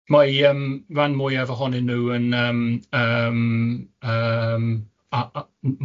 Mae yym ran mwyaf ohonyn nhw yn yym yym yym a- a- mae nhw ar-line.